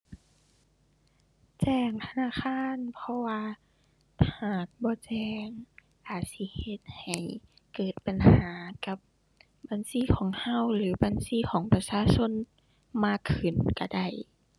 แจ้งธนาคาร เพราะว่าหากบ่แจ้งอาจสิเฮ็ดให้เกิดปัญหากับบัญชีของเรา หรือบัญชีของประชาชนมากขึ้นเราได้